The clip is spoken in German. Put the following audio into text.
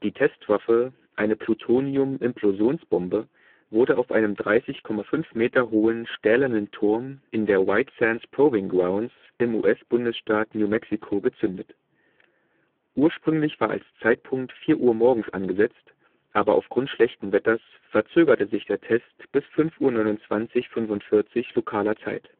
Testwaffe, eine Plutonium-Implosionsbombe, wurde auf einem 30,5 Meter hohen stählernen Turm in der White Sands Proving Grounds im US-Bundesstaat New Mexico gezündet. Ursprünglich war als Zeitpunkt 4 Uhr morgens angesetzt, aber aufgrund schlechten Wetters verzögerte sich der Test bis 5:29:45 Uhr lokaler Zeit